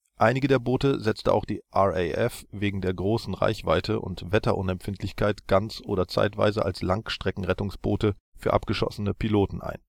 Einige der Boote setzte auch die RAF wegen der großen Reichweite und Wetterunempfindlichkeit ganz oder zeitweise als Langstreckenrettungsboote für abgeschossene Piloten ein